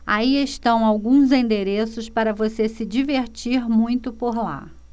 aí estão alguns endereços para você se divertir muito por lá